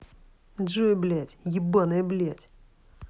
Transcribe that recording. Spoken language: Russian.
джой блядь ебаная блядь